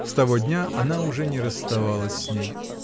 С того дня она уже не расставалась с ней.